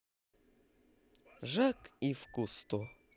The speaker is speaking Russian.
жак ив кусто